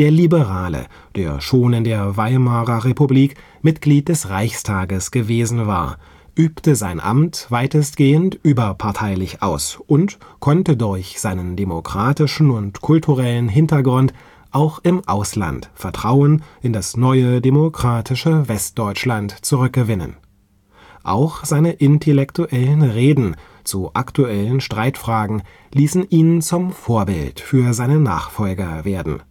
Liberale, der schon in der Weimarer Republik Mitglied des Reichstages gewesen war, übte sein Amt weitestgehend überparteilich aus und konnte durch seinen demokratischen und kulturellen Hintergrund auch im Ausland Vertrauen in das neue demokratische Westdeutschland zurück gewinnen. Auch seine intellektuellen Reden zu aktuellen Streitfragen ließen ihn zum Vorbild für seine Nachfolger werden